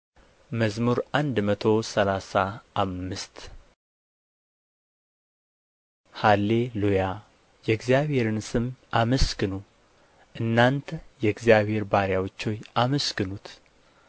መዝሙር መቶ ሰላሳ አምስት ሃሌ ሉያ የእግዚአብሔርን ስም አመስግኑ እናንተ የእግዚአብሔር ባሪያዎች ሆይ አመስግኑት